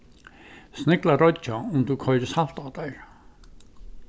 sniglar doyggja um tú koyrir salt á teir